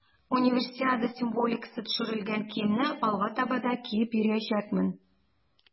Универсиада символикасы төшерелгән киемне алга таба да киеп йөриячәкмен.